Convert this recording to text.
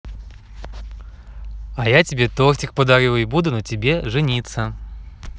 а я тебе тортик подарю и буду на тебе жениться